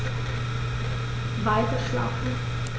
Weiterschlafen.